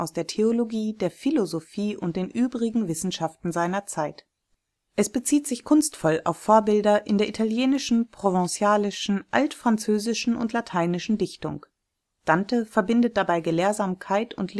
der Theologie, der Philosophie und den übrigen Wissenschaften (Artes liberales) seiner Zeit. Es bezieht sich kunstvoll auf Vorbilder in der italienischen, provenzalischen, altfranzösischen und lateinischen Dichtung. Dante verbindet dabei Gelehrsamkeit und